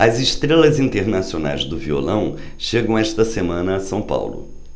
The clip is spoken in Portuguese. as estrelas internacionais do violão chegam esta semana a são paulo